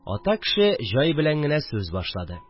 Ата кеше җай белән генә сүз башлады